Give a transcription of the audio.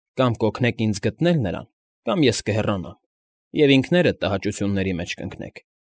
Կամ օգնեք ինձ գտնել նրան, կամ ես կհեռանամ, և ինքներդ տհաճությունների մեջ կընկնեք։